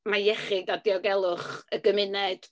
Ma' iechyd a diogelwch y gymuned...